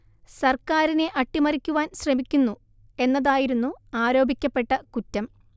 സർക്കാരിനെ അട്ടിമറിക്കുവാൻ ശ്രമിക്കുന്നു എന്നതായിരുന്നു ആരോപിക്കപ്പെട്ട കുറ്റം